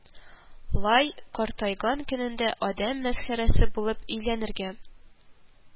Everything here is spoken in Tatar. Лай картайган көнендә адәм мәсхәрәсе булып өйләнергә